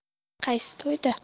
qaysi to'yda